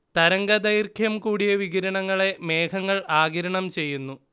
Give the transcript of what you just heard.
തരംഗദൈർഘ്യം കൂടിയ വികിരണങ്ങളെ മേഘങ്ങൾ ആഗിരണം ചെയ്യുന്നു